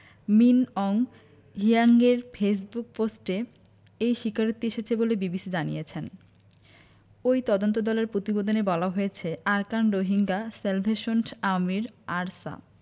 মিন Aung হ্লিয়াংয়ের Facebook পোস্টে এই স্বীকারোক্তি এসেছে বলে বিবিসি জানিয়েছে ওই তদন্তদলের প্রতিবেদনে বলা হয়েছে আরাকান রোহিঙ্গা স্যালভেশন আর্মির আরসা